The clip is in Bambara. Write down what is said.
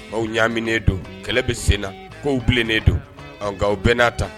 Aw ɲaminen don kɛlɛ bɛ sen na ko bilennen don nka o bɛ n'a ta